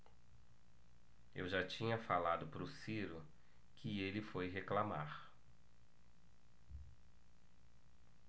eu já tinha falado pro ciro que ele foi reclamar